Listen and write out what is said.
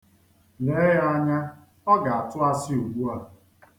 Lee ya anya, ọ ga-atụ asị ugbua.